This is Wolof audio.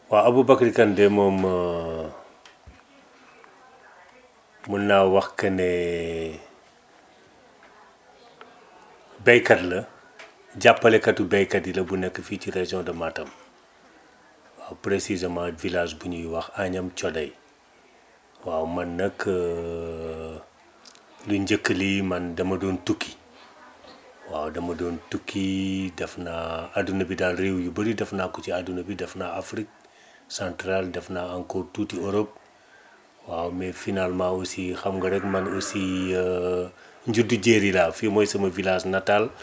waaw Aboubacry Kane de moom mun naa wax que ne baykat la jàppalekatu baykat yi la bu nekk fii ci région de Matam waaw précisément village bu ñuy wax Agnam thioday waaw man nag li njëkk li man dama doon tukki waaw dama doon tukki def naa àdduna bi daal réew yu bëri def naa ko ci àdduna bi def naa Afrique central def naa encore tuuti Europe waaw mais finalement aussi xam nga rek man aussi njuddu jéeri laa fii mooy sama village natal